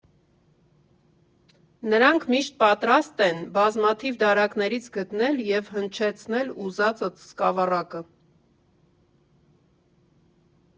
Նրանք միշտ պատրաստ են բազմաթիվ դարակներից գտնել և հնչեցնել ուզածդ սկավառակը։